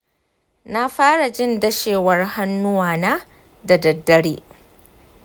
na fara jin ɗashewar hannuwana da daddare.